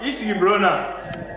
i sigi bulon na